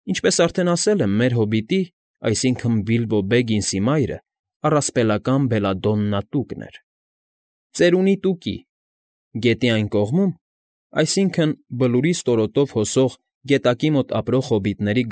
Ինչպես արդեն ասել եմ, մեր հոբիտի, այսինքն՝ Բիլբո Բեգինսի մայրը առասպելական Բելադոննա Տուկն էր, ծերունի Տուկի, Գետի Այն Կողմում, այսինքն՝ Բլուրի ստորոտով հոսող գետակի մոտ ապրող հոբիտների։